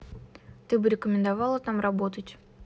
ты бы рекомендовала там работать